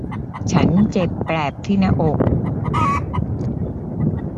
ฉันเจ็บแปลบที่หน้าอก